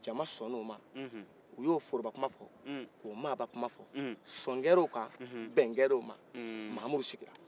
u y'o foroba kuma fo k'o maaba kuma fo sɔn kɛr'o kan bɛn kɛr'o ma mamudu sigira